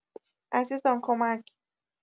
عزیزان کمک